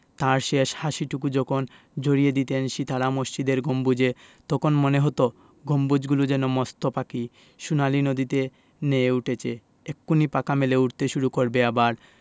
তাঁর শেষ হাসিটুকু যখন ঝরিয়ে দিতেন সিতারা মসজিদের গম্বুজে তখন মনে হতো গম্বুজগুলো যেন মস্ত পাখি সোনালি নদীতে নেয়ে উঠেছে এক্ষুনি পাখা মেলে উড়তে শুরু করবে আবার